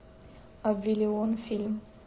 обливион фильм